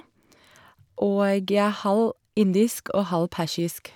Og jeg er halv indisk og halv persisk.